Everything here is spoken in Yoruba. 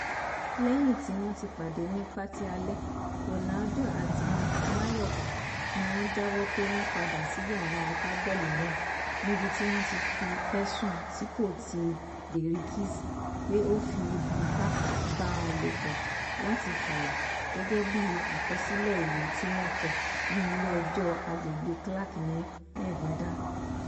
Lẹ́yìn tí wọ́n ti padé ní pátí alẹ́, Ronaldao àti Mayorga ní wọ́n jábọ̀ pé wọn padà sí yàrá agbábọ̀ọ̀lù náà., níbi tí wọn ti fé ẹ̀sùn tí kò tíì lẹ́rìí k[sn pé ó fi ìpa báá a lòpọ̀ láti fùrọ̀, gẹ́gẹ́bí àkọ̀sílẹ̀ ìwé tí wọ̀n kọ ní Ilé ẹjọ Agbègbe Clark ní́ Nevada.